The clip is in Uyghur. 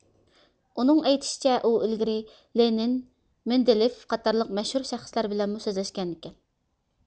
ئۇنىڭ ئېيتىشىچە ئۇئىلگىرى لېنىن مىندىلېف قاتارلىق مەشھۇر شەخسلەر بىلەنمۇ سۆزلەشكەنىكەن